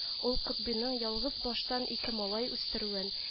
Ул котбыйның ялгыз баштан ике малай үстерүен